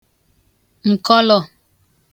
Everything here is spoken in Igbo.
ǹkọlọ